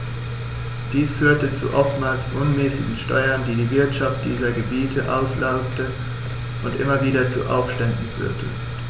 Dies führte zu oftmals unmäßigen Steuern, die die Wirtschaft dieser Gebiete auslaugte und immer wieder zu Aufständen führte.